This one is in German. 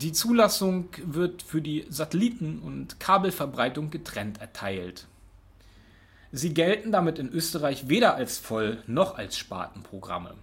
Zulassung wird für die Satelliten - und Kabelverbreitung getrennt erteilt. Sie gelten damit in Österreich weder als Voll - noch als Spartenprogramme